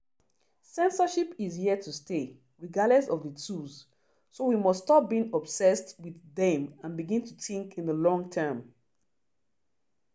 “Censorship is here to stay, regardless of the tools, so we must stop being obsessed with them and begin to think in the long term.”